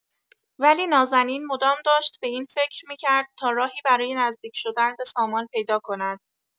ولی نازنین مدام داشت به این فکر می‌کرد تا راهی برای نزدیک‌شدن به سامان پیدا کند.